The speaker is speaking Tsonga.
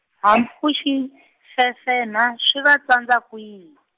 hambi ku xi, fefenha swi va tsandza kwihi?